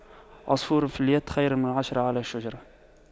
عصفور في اليد خير من عشرة على الشجرة